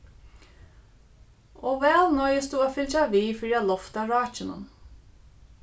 og væl noyðist tú at fylgja við fyri at lofta rákunum